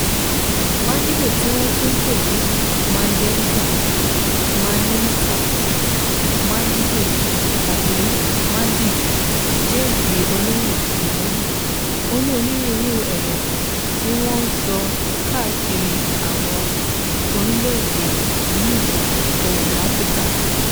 Mandingo (tí wọ́n tún ń pè ní Mandenkan, Maninka, Mandingo, àbí Manding) jẹ́ èdè olóhùn ṣùgbọ́n ó ní onírúurú ẹ̀yà tí wọ́n ń sọ káàkiri àwọn orílẹ̀-èdè ní Ìwọ̀-oòrùn Áfíríkà.